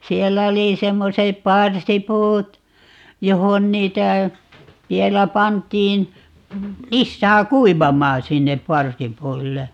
siellä oli semmoiset parsipuut johon niitä vielä pantiin lisää kuivamaan sinne parsipuille